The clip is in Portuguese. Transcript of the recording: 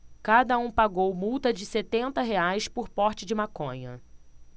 cada um pagou multa de setenta reais por porte de maconha